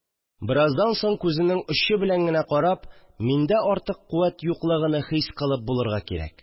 Бераздан соң күзенең очы белән генә карап, миндә артык куәт юклыгыны хис кылып булырга кирәк